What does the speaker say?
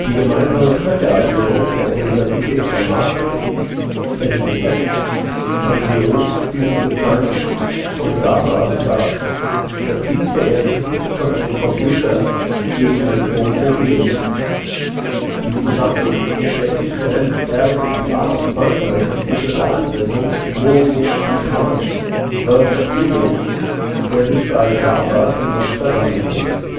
gemeinsame Presseerklärung der Universität von Maastricht, NCF, NWO Physical Sciences und SARA sagt, dass dies der erste Sieg von einem Computer gegen einen Go-Profi ist. Die zusammen mit INRIA Frankreich entwickelte Anwendung MoGo Titan läuft auf Huygens der sich bei SARA in Amsterdam befindet